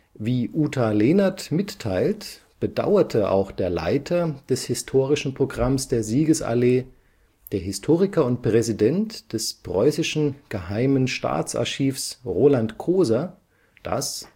Wie Uta Lehnert mitteilt, bedauerte auch der Leiter des historischen Programms der Siegesallee, der Historiker und Präsident des Preußischen Geheimen Staatsarchivs Reinhold Koser, dass